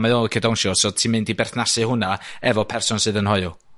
ma o licio dawnsio so ti mynd i berthnasu hwnna efo person sydd yn hoyw.